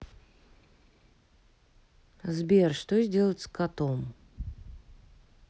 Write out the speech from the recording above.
сбер что сделать с котом